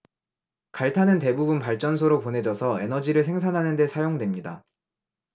갈탄은 대부분 발전소로 보내져서 에너지를 생산하는 데 사용됩니다